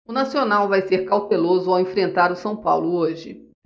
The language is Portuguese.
o nacional vai ser cauteloso ao enfrentar o são paulo hoje